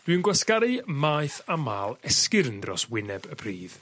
Dwi'n gwasgaru maeth amal esgyrn dros wyneb y pridd